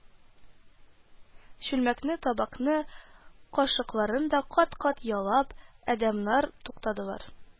Чүлмәкне, табакны, кашыкларны кат-кат ялап, адәмнәр тукталдылар